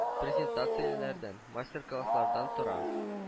Презентацияләрдән, мастер-класслардан тора;